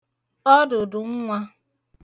ọdụ̀dụ̀ nwa